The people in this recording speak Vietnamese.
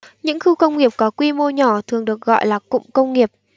những khu công nghiệp có quy mô nhỏ thường được gọi là cụm công nghiệp